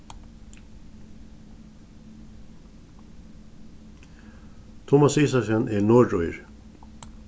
tummas isaksen er norðuríri